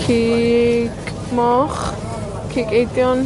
Cig moch. Cig eidion.